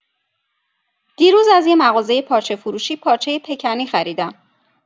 دیروز از یک مغازه پارچه‌فروشی، پارچه پکنی خریدم.